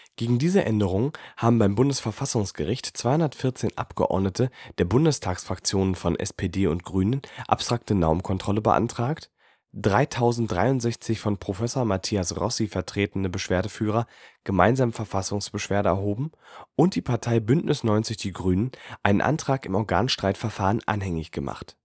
Gegen diese Änderungen haben beim Bundesverfassungsgericht 214 Abgeordnete der Bundestagsfraktionen von SPD und Grünen abstrakte Normenkontrolle beantragt, 3063 von Prof. Matthias Rossi vertretene Beschwerdeführer gemeinsam Verfassungsbeschwerde erhoben und die Partei Bündnis 90/Die Grünen einen Antrag im Organstreitverfahren anhängig gemacht